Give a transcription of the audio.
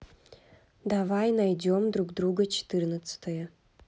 давай найдем друг друга четырнадцатая